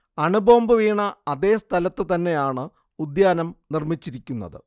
അണുബോംബ് വീണ അതേ സ്ഥലത്തു തന്നെയാണ് ഉദ്യാനം നിർമ്മിച്ചിരിക്കുന്നത്